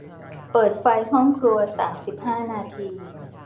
เปิดไฟห้องครัวสามสิบห้านาที